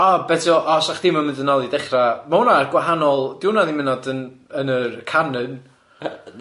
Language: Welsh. O be' ti'n wel- o 'sa chdi'm yn mynd yn ôl i dechra? Ma' hwnna gwahanol, 'di hwnna ddim hyd yn oed yn yn yr canon. Na.